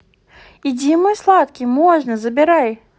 иди мой сладкий можно забирай